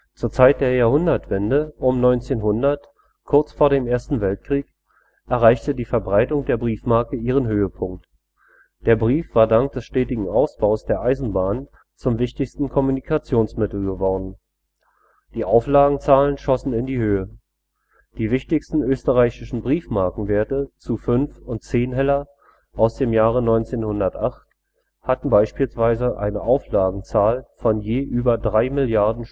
Zur Zeit der Jahrhundertwende um 1900, kurz vor dem Ersten Weltkrieg, erreichte die Verbreitung der Briefmarke ihren Höhepunkt. Der Brief war dank des stetigen Ausbaus der Eisenbahn zum wichtigsten Kommunikationsmittel geworden. Die Auflagenzahlen schossen in die Höhe. Die wichtigsten österreichischen Briefmarkenwerte zu fünf und zehn Heller aus dem Jahre 1908 hatten beispielsweise eine Auflagezahl von je über drei Milliarden